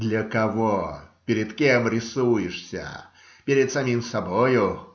Для кого, перед кем рисуешься? Перед самим собою.